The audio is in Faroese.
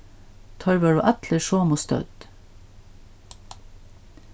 teir vóru allir somu stødd